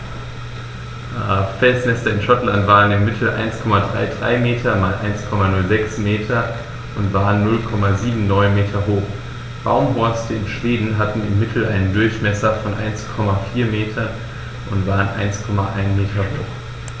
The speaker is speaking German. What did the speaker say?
Felsnester in Schottland maßen im Mittel 1,33 m x 1,06 m und waren 0,79 m hoch, Baumhorste in Schweden hatten im Mittel einen Durchmesser von 1,4 m und waren 1,1 m hoch.